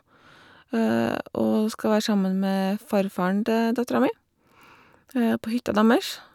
Og skal være sammen med farfaren til dattera mi på hytta deres.